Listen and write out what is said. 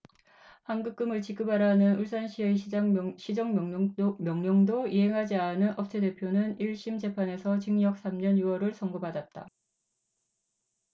환급금을 지급하라는 울산시의 시정명령도 이행하지 않은 업체대표는 일 심 재판에서 징역 삼 년 유 월을 선고받았다